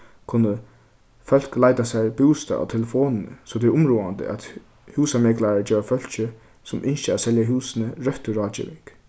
kunnu fólk leita sær bústað á telefonini so tað er umráðandi at húsameklarar geva fólki sum ynskja at selja húsini røttu ráðgeving